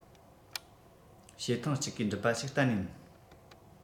བྱེད ཐེངས གཅིག གིས འགྲུབ པ ཞིག གཏན ནས མིན